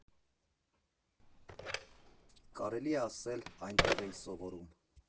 Կարելի է ասել՝ այնտեղ էի սովորում։